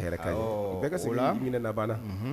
Bɛɛ ka so la hinɛ laban la